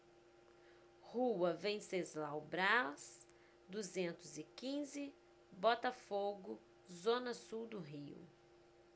rua venceslau braz duzentos e quinze botafogo zona sul do rio